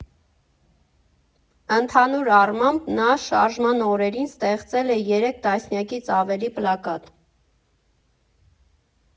Ընդհանուր առմամբ նա շարժման օրերին ստեղծել է երեք տասնյակից ավելի պլակատ։